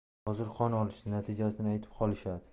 hozir qon olishdi natijasini aytib qolishadi